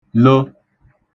lo